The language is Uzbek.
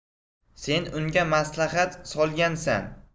sen unga maslahat solgansan